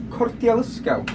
Cordial ysgaw?